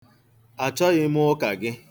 Achọghị m ụka gị.